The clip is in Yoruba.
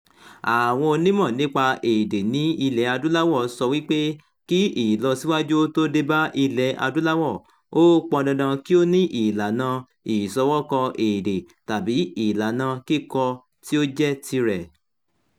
Àwọn onímọ̀ nípa èdè ní Ilẹ̀-Adúláwọ̀ sọ wí pé kí ìlọsíwájú ó tó dé bá Ilẹ̀ Adúláwọ̀, ó pọn dandan kí ó ní ìlànà ìṣọwọ́ kọ èdè tàbí ìlànà kíkọ tí ó jẹ́ tirẹ̀.